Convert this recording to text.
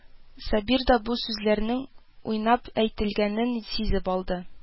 Сабир да бу сүзләрнең уйнап әйтелгәнен сизеп алды